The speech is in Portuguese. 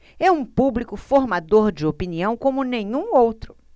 é um público formador de opinião como nenhum outro